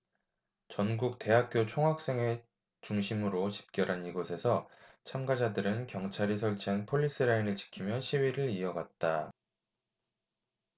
전국 대학교 총학생회 중심으로 집결한 이곳에서 참가자들은 경찰이 설치한 폴리스라인을 지키며 시위를 이어갔다